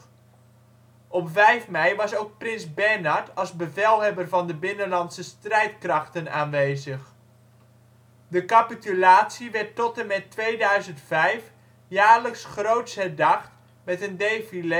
Op 5 mei was ook prins Bernhard als bevelhebber van de Binnenlandse Strijdkrachten aanwezig. De capitulatie werd tot en met 2005 jaarlijks groots herdacht met een defilé